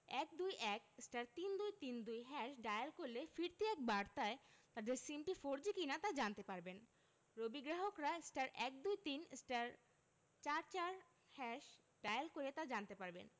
১২১* ৩২৩২# dial করলে ফিরতি এক বার্তায় তাদের সিমটি ফোরজি কিনা তা জানতে পারবেন রবির গ্রাহকরা *১২৩*৪৪# ডায়াল করে তা জানতে পারবেন